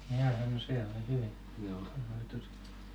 jaaha no se oli hyvä hyvä tosiaan